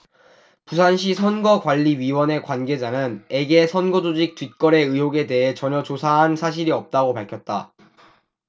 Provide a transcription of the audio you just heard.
부산시선거관리위원회 관계자는 에게 선거조직 뒷거래의혹에 대해 전혀 조사한 사실이 없다고 밝혔다